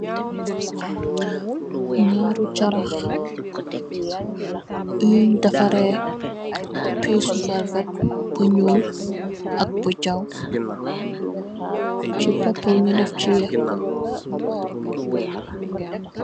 Nyarru charax yun defare piesu volvet bu nyul ak bu jaw ci popa nu def ci che ye.